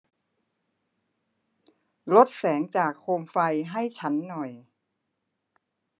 ลดแสงจากโคมไฟให้ฉันหน่อย